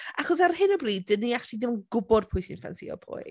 Achos ar hyn o bryd dan ni acshyli ddim yn gwybod pwy sy'n ffansio pwy.